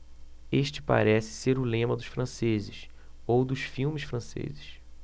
este parece ser o lema dos franceses ou dos filmes franceses